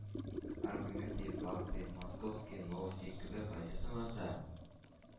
«аргументы и факты», «московские новости» кебек газеталар да